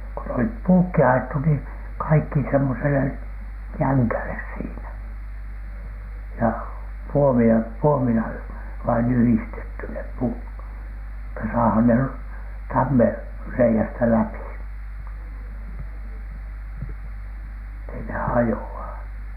kun ne oli puutkin ajettu niin kaikki semmoiselle jängälle siinä ja puomien puomilla vain yhdistetty ne puut että saadaan ne tammenreiästä läpi että ei ne hajoa